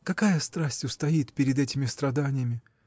Какая страсть устоит перед этими страданиями?